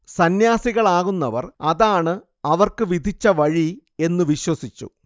സന്യാസികളാകുന്നവർ അതാണ് അവർക്കു വിധിച്ച വഴി എന്നു വിശ്വസിച്ചു